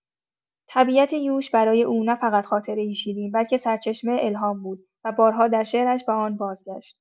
طبیعت یوش برای او نه‌فقط خاطره‌ای شیرین، بلکه سرچشمه الهام بود و بارها در شعرش به آن بازگشت.